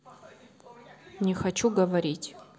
не хочу говорить